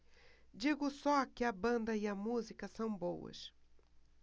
digo só que a banda e a música são boas